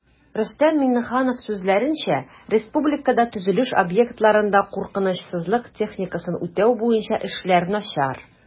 Рөстәм Миңнеханов сүзләренчә, республикада төзелеш объектларында куркынычсызлык техникасын үтәү буенча эшләр начар